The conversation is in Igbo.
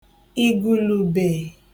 ìgùlùbè